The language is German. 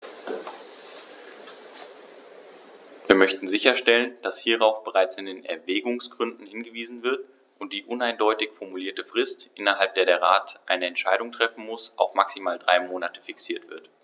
Wir möchten sicherstellen, dass hierauf bereits in den Erwägungsgründen hingewiesen wird und die uneindeutig formulierte Frist, innerhalb der der Rat eine Entscheidung treffen muss, auf maximal drei Monate fixiert wird.